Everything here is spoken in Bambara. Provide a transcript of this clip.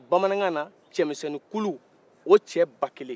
bamanakan na cɛmisɛninkulu o cɛ ba kelen